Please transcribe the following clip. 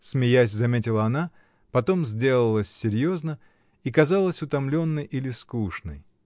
— смеясь, заметила она, потом сделалась серьезна и казалась утомленной или скучной.